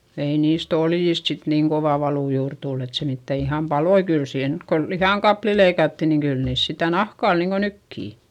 ei niistä oljista sitten niin kova valu juuri tullut että se mitään ihan paloi kyllä siihen nyt kun lihankappaleita leikattiin niin kyllä niissä sitä nahka oli niin kuin nytkin